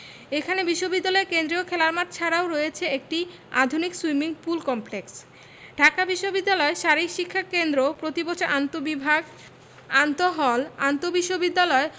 এখানে বিশ্ববিদ্যালয় কেন্দ্রীয় খেলার মাঠ ছাড়াও রয়েছে একটি আধুনিক সুইমিং পুল কমপ্লেক্স ঢাকা বিশ্ববিদ্যালয় শারীরিক শিক্ষা কেন্দ্র প্রতিবছর আন্তঃবিভাগ আন্তঃহল আন্তঃবিশ্ববিদ্যালয়